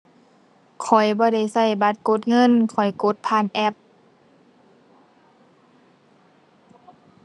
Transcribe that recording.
ข้อยบ่ได้ใช้บัตรกดเงิน ข้อยกดผ่านแอป